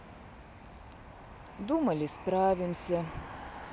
думали справимся